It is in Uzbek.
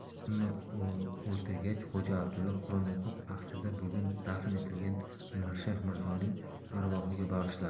hamma o'ltirgach xo'ja abdulla quron o'qib axsida bugun dafn etilgan umarshayx mirzoning arvohiga bag'ishladi